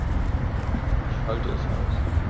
Ich schalte es aus.